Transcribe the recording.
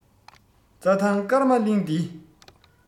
རྩ ཐང སྐར མ གླིང འདི